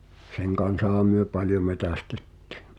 sen kanssahan me paljon metsästettiin